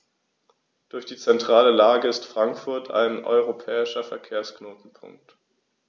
Durch die zentrale Lage ist Frankfurt ein europäischer Verkehrsknotenpunkt.